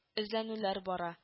Эзләнүләр бара